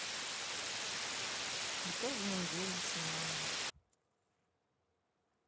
итоги недели семенова